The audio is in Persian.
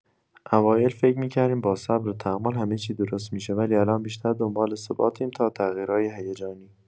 اوایل فکر می‌کردیم با صبر و تحمل همه‌چی درست می‌شه، ولی الان بیشتر دنبال ثباتیم تا تغییرای هیجانی.